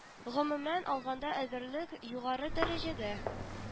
Гомумән алганда әзерлек югары дәрәҗәдә